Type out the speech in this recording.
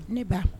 Ne ba